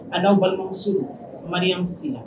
A n'aw balima maria si la